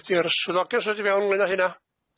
Ydi'r swyddoges ddod i fewn ynglŷn â hynna?